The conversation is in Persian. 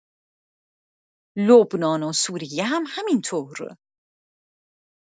لبنان و سوریه هم همینطور.